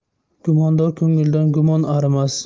gumondor ko'ngildan gumon arimas